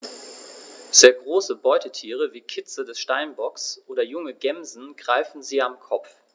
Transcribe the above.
Sehr große Beutetiere wie Kitze des Steinbocks oder junge Gämsen greifen sie am Kopf.